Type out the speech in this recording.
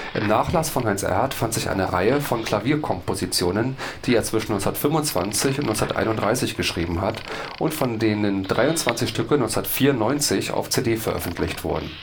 Im Nachlass von Heinz Erhardt fanden sich eine Reihe von Klavier-Kompositionen, die er zwischen 1925 und 1931 geschrieben hat, und von denen 23 Stücke 1994 auf CD veröffentlicht wurden